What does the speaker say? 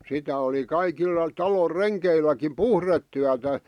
sitä oli kaikilla talon rengeilläkin puhdetyötä